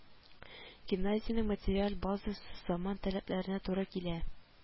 Гимназиянең материаль базасы заман таләпләренә туры килә